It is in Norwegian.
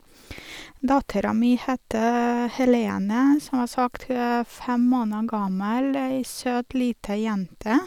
Dattera mi heter Helene, som sagt, hun er fem måneder gammel, ei søt lita jente.